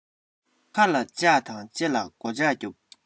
ཁ ལ ལྕགས དང ལྕེ ལ སྒོ ལྩགས རྒྱོབ